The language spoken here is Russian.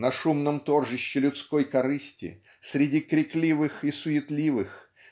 На шумном торжище людской корысти, среди крикливых. и суетливых